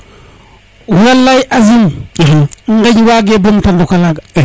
walay azim ŋeñ wage bomta ndoka laga